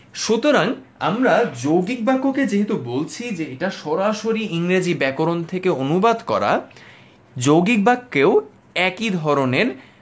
সুতরাং আমরা যৌগিক বাক্যে যেহেতু বলছি যে এটা সরাসরি ইংরেজি ব্যাকরণ থেকে অনুবাদ করা যৌগিক বাক্যেও একই ধরনের